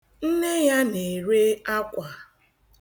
Nne ya na-ere akwa.